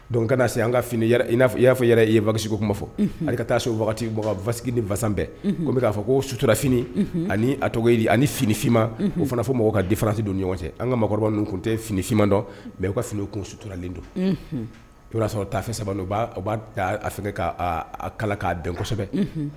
Don kana se an fini y'a fɔ yɛrɛ i ye wasiko kuma fɔ hali ka taa so basi nifasan bɛɛ kɔmi k'a fɔ ko suturara fini ani to ani finifinma o fana fɔ mɔgɔw ka di fanasi don ɲɔgɔn cɛ an kakɔrɔba minnu tun tɛ finifinma dɔn mɛ u ka fini kun suturaralen don tora y'a sɔrɔ taafe saba u b'a fɛ ka kala k'a dɔnsɛbɛ